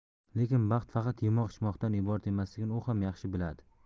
lekin baxt faqat yemoq ichmoqdan iborat emasligini u ham yaxshi biladi